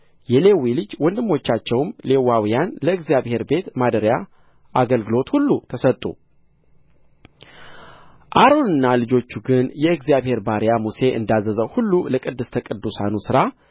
የሌዊ ልጅ ወንድሞቻቸውም ሌዋውያን ለእግዚአብሔር ቤት ማደሪያ አገልግሎት ሁሉ ተሰጡ አሮንና ልጆቹ ግን የእግዚአሔር ባሪያ ሙሴ እንዳዘዘው ሁሉ ለቅድስተ ቅዱሳን ሥራ